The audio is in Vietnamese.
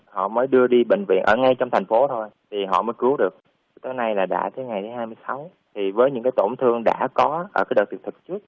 họ mới đưa đi bệnh viện ở ngay trong thành phố thôi thì họ mới cứu được tới nay là đã tới ngày hai sáu thì với những cái tổn thương đã có ở cái đợt tuyệt thực trước